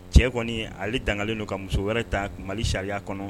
Cɛ kɔni ale dangalen don ka muso wɛrɛ ta mali sariya kɔnɔ